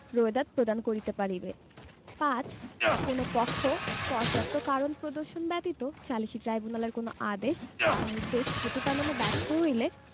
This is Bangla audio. রোয়েদাদ প্রদান করিতে পারিবে ৫ কোন পক্ষ পর্যান্ত কারণ প্রদর্শন ব্যতীত সালিসী ট্রাইব্যুনালের কোন আদেশ বা নির্দেশ প্রতিপালনে ব্যর্থ হইলে